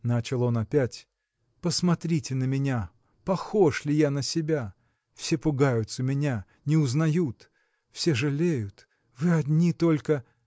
– начал он опять, – посмотрите на меня: похож ли я на себя? все пугаются меня, не узнают. все жалеют, вы одни только.